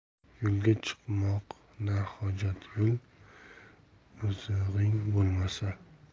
yo'lga chiqmoq na hojat yo'l ozig'ing bo'lmasa